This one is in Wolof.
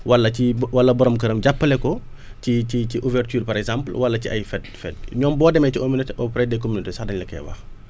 wala ci bo wala borom këram jàppale ko ci ci ci ouverture par exemple wala ci ay fête fête ñoom boo demee ci au pret des communauté sax dañ la koy wax